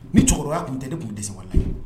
Ni cɛkɔrɔbaya tun tɛ de tun bɛ dɛsɛ wallahi